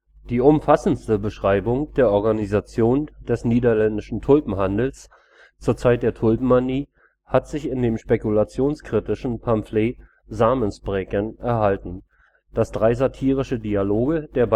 Die umfassendste Beschreibung der Organisation des niederländischen Tulpenhandels zur Zeit der Tulpenmanie hat sich in dem spekulationskritischen Pamphlet Samenspraeken erhalten, das drei satirische Dialoge der